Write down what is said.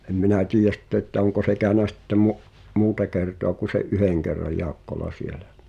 en minä tiedä sitten että onko se käynyt sitten - muuta kertaa kun sen yhden kerran Jaakkola siellä